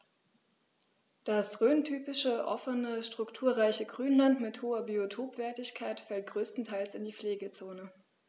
Das rhöntypische offene, strukturreiche Grünland mit hoher Biotopwertigkeit fällt größtenteils in die Pflegezone.